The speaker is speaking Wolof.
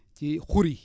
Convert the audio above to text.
ci xur yi